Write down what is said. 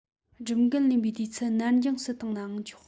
སྒྲུབ འགན ལེན པའི དུས ཚད ནར འགྱངས སུ བཏང ནའང ཆོག